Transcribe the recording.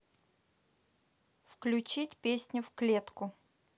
включить песню в клетку